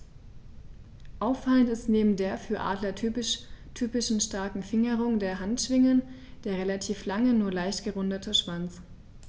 Auffallend ist neben der für Adler typischen starken Fingerung der Handschwingen der relativ lange, nur leicht gerundete Schwanz.